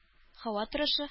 Һава торышы